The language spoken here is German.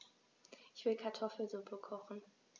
Ich will Kartoffelsuppe kochen.